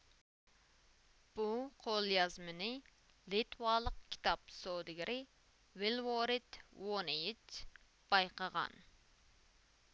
بۇ قوليازمىنى لىتۋالىق كىتاب سودىگىرى ۋىلۋورىد ۋۇنىيچ بايقىغان